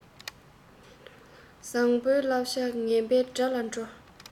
བཟང པོའི བསླབ བྱ ངན པའི དགྲ ལ འགྲོ